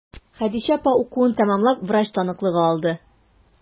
Хәдичә апа укуын тәмамлап, врач таныклыгы алды.